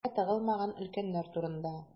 Эшкә тыгылмаган өлкәннәр турында.